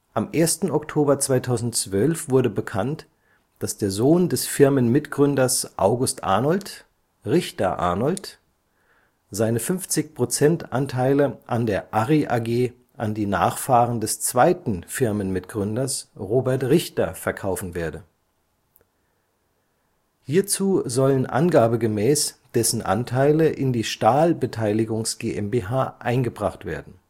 Am 1. Oktober 2012 wurde bekannt, dass der Sohn des Firmenmitgründers August Arnold, Robert Arnold, seine 50 % Anteile an der Arri AG an die Nachfahren des zweiten Firmenmitgründers, Robert Richter, verkaufen werde. Hierzu sollen angabegemäß dessen Anteile in die Stahl Beteiligungs GmbH eingebracht werden